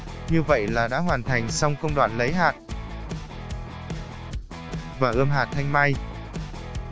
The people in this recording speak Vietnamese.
như vậy đã hoàn thành xong công đoạn lấy hạt và ươm hạt thanh mai